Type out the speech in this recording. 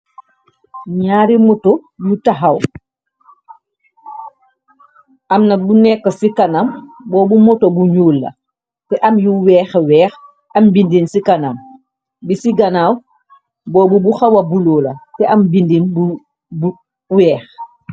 Naari moto yu taxaw amna bu nekk ci kanam boo bu moto bu ñuul la te am yu weex weex am bindin ci kanam bi ci ganaw boobu bu xawa bulo te am bindin bu bu weex.